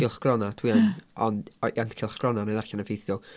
Cylchgronau dwi yn... ie ...ond o i- ond y cylchgronau wna i ddarllen yn ffeithiol.